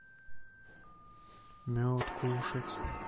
мед кушать